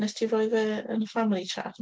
Wnest ti rhoi fe yn y family chat?